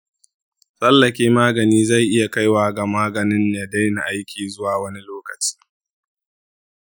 tsallake magani zai iya kaiwa ga maganin ya daina aiki zuwa wani lokaci.